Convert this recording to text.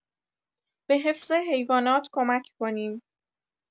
به حفظ حیوانات کمک کنیم.